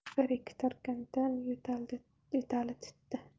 bir ikki tortgach yo'tali tutdi